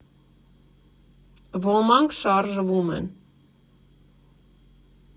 Ոմանք շարժվում են։